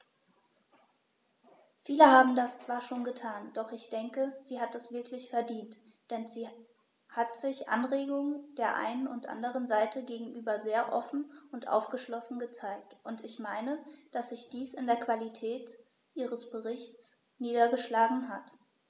Viele haben das zwar schon getan, doch ich denke, sie hat es wirklich verdient, denn sie hat sich Anregungen der einen und anderen Seite gegenüber sehr offen und aufgeschlossen gezeigt, und ich meine, dass sich dies in der Qualität ihres Berichts niedergeschlagen hat.